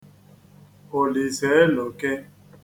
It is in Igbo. Òlìsàelòke